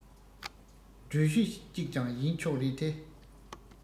འགྲུལ བཞུད ཅིག ཀྱང ཡིན ཆོག རེད དེ